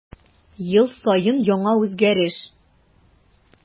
Ел саен яңа үзгәреш.